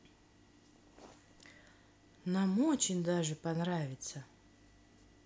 нам очень даже понравится